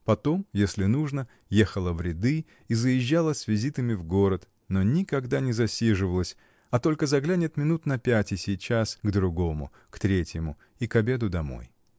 Потом, если нужно, ехала в ряды и заезжала с визитами в город, но никогда не засиживалась, а только заглянет минут на пять и сейчас к другому, к третьему, и к обеду домой.